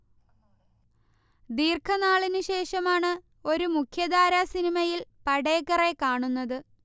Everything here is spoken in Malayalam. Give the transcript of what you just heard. ദീർഘനാളിന്ശേഷമാണ് ഒരു മുഖ്യധാര സിനിമയിൽ പടേക്കറെ കാണുന്നത്